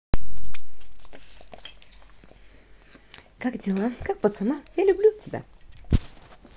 как дела как пацана я люблю тебя